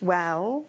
Wel.